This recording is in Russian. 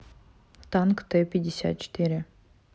танк т пятьдесят четыре